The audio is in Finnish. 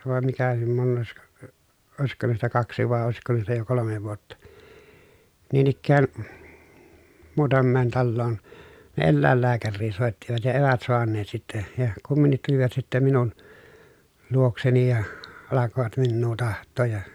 vai mikä niin monesko - olisiko hänestä kaksi vai olisiko hänestä jo kolme vuotta niin ikään muutamaan taloon ne eläinlääkäriä soittivat ja eivät saaneet sitten ja kumminkin tulivat sitten minun luokseni ja alkoivat minua tahtoa ja